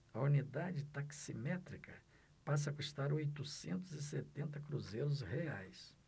a unidade taximétrica passa a custar oitocentos e setenta cruzeiros reais